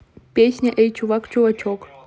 песня эй чувак чувачок